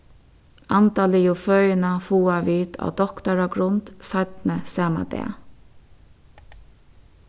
andaligu føðina fáa vit á doktaragrund seinni sama dag